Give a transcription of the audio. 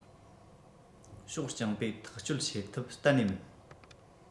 ཕྱོགས རྐྱང པས ཐག གཅོད བྱེད ཐུབ གཏན ནས མིན